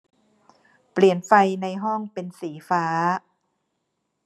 เปลี่ยนไฟในห้องเป็นสีฟ้า